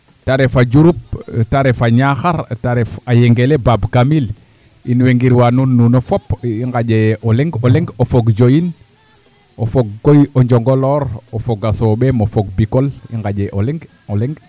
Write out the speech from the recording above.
te ref Diouroup te ref a Niakhar a Yengele Bab Kamil in woy ngirwa nuun nuno fop i ŋaƴe o leŋ o leŋ o fog Dioyin fo fog koy o Njongolor o fog a Sombeme o fog Bikole i nqaƴee o leŋ o leŋ